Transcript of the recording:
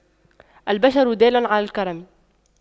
الْبِشْرَ دال على الكرم